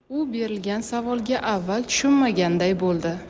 u berilgan savolga avval tushunmaganday bo'ldi